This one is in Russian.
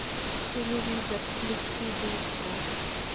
телевизор включи быстро